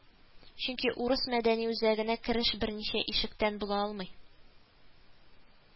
Чөнки урыс мәдәни үзәгенә кереш берничә ишектән була алмый